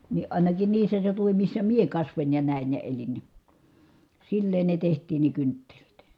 niin ainakin niissä seutuvin missä minä kasvoin ja näin ja elin niin silleen ne tehtiin ne kynttilät